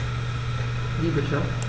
Wie bitte?